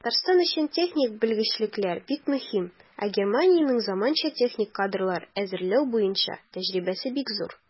Татарстан өчен техник белгечлекләр бик мөһим, ә Германиянең заманча техник кадрлар әзерләү буенча тәҗрибәсе бик зур.